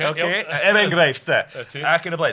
Ocê, er enghraifft 'de, ac yn y blaen.